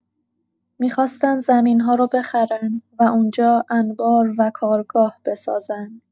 می‌خواستن زمین‌ها رو بخرن و اونجا انبار و کارگاه بسازن.